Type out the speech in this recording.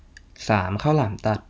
สามข้าวหลามตัด